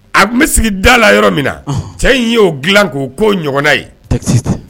A tun bɛ sigi da la yɔrɔ min na cɛ in y'o dilan k'o koo ɲɔgɔnna ye